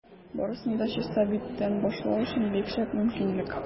Барысын да чиста биттән башлау өчен бик шәп мөмкинлек.